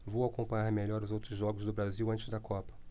vou acompanhar melhor os outros jogos do brasil antes da copa